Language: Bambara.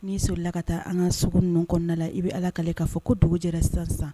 N'i sola ka taa an ka sugu nɔn kɔnɔna na la i bɛ ala ka k'a fɔ ko dugu jɛra sisansa